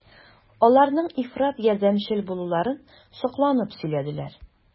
Аларның ифрат ярдәмчел булуларын сокланып сөйләделәр.